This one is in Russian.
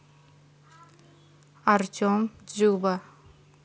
артем дзюба